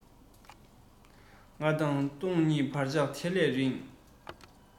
ང དང སྟོང ཉིད བར ཐག དེ ལས རིང